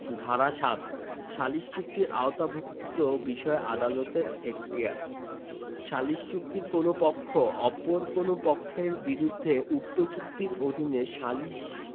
ধারা ৭ সালিস চুক্তির আওতাভুক্ত বিষয়ে আদালতের এখতিয়ারঃ সালিস চুক্তির কোন পক্ষ অপর কোন পক্ষের বিরুদ্ধে উক্ত চুক্তির অধীনৈ সালিস